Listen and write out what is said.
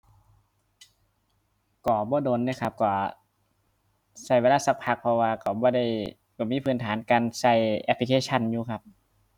ก็บ่โดนเดะครับก็ ก็เวลาสักพักเพราะว่าก็บ่ได้ก็มีพื้นฐานการก็แอปพลิเคชันอยู่ครับ